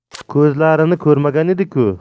ko'zlarini ko'rmagan edi ku